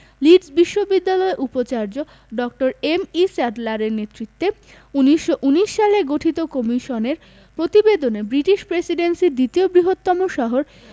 Leeds বিশ্ববিদ্যালয়ের উপচার্য ড. এম.ই স্যাডলারের নেতৃত্বে ১৯১৯ সালে গঠিত কমিশনের প্রতিবেদনে ব্রিটিশ প্রেসিডেন্সির দ্বিতীয় বৃহত্তম শহর